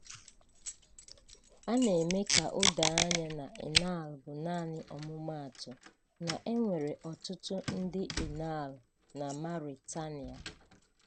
Ana m eme ka o doo anya na Inal bụ naanị ọmụmaatụ; na e nwere ọtụtụ ndị Inal na Mauritania.